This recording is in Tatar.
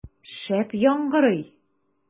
Шәп яңгырый!